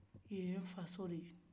yen ye nfa so ye